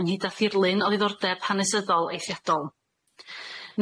ynghyd â thirlun o ddiddordeb hanesyddol eithriadol.